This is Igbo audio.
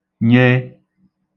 ny